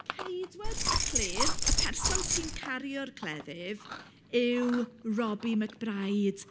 Ceidwad y cledd, y person sy'n cario'r cleddyf, yw Robbie McBride.